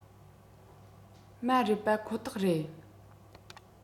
མ རེད པ ཁོ ཐག རེད